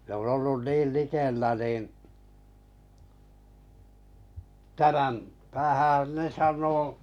ne on ollut niin likellä niin tämän tähän ne sanoi